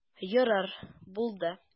Ярар, булды.